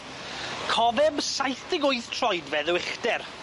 Cofeb saith deg wyth troedfedd o uchder.